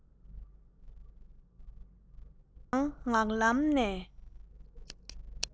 ཡང ངག ལམ ནས